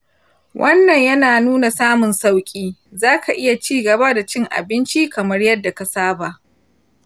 wannan yana nuna samun sauƙi; za ka iya cigaba da cin abinci kamar yadda ka saba.